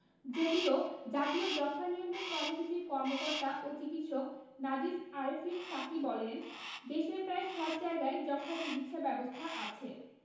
যদিও জাতীয় যক্ষ্মা নিয়ন্ত্রণ কর্মসূচির কর্মকর্তা ও চিকিৎসক নাজিস আরেফিন সাকী বলেন দেশের প্রায় সব জায়গায় যক্ষ্মার চিকিৎসা ব্যবস্থা আছে